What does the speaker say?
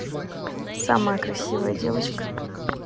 самая красивая девочка